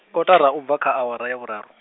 kotara ubva kha awara ya vhurara.